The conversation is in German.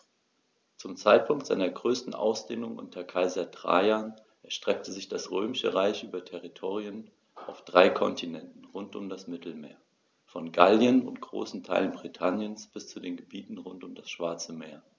Zum Zeitpunkt seiner größten Ausdehnung unter Kaiser Trajan erstreckte sich das Römische Reich über Territorien auf drei Kontinenten rund um das Mittelmeer: Von Gallien und großen Teilen Britanniens bis zu den Gebieten rund um das Schwarze Meer.